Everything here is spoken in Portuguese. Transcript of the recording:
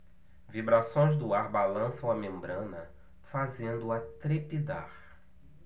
vibrações do ar balançam a membrana fazendo-a trepidar